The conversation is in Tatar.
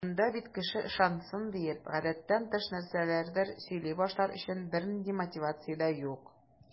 Монда бит кеше ышансын дип, гадәттән тыш нәрсәләрдер сөйли башлар өчен бернинди мотивация дә юк.